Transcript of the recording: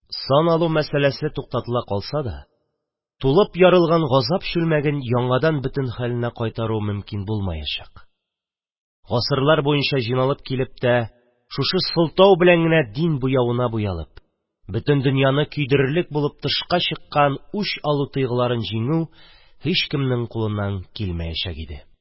Сан алу мәсәләсе туктатыла калса да тулып ярылган газап чүлмәген инде бөтен хәленә кайтару мөмкин булмаячак; гасырлар буенча җыйналып килеп тә, шушы сылтау белән генә дин буявына буялып, бөтен донъяны көйдерерлек булып тышка чыккан үч алу тойгыларын җиңү һичкемнең кулыннан килмәячәк иде.